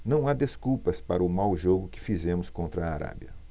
não há desculpas para o mau jogo que fizemos contra a arábia